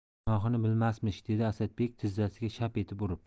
gunohini bilmasmish dedi asadbek tizzasiga shap etib urib